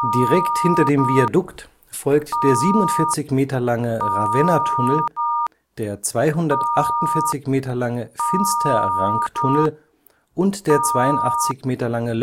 Direkt hinter dem Viadukt folgt der 47 Meter lange Revenna-Tunnel, der 248 Meter lange Finsterrank-Tunnel und der 82 Meter lange